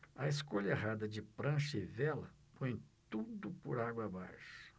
a escolha errada de prancha e vela põe tudo por água abaixo